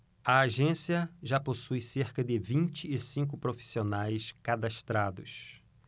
a agência já possui cerca de vinte e cinco profissionais cadastrados